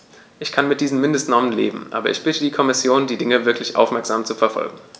Ich kann mit diesen Mindestnormen leben, aber ich bitte die Kommission, die Dinge wirklich aufmerksam zu verfolgen.